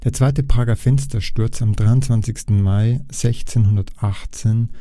zweite Prager Fenstersturz am 23. Mai 1618